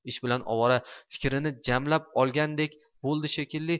ish bilan ovora fikrini jamlab olgandek bo'ldi shekilli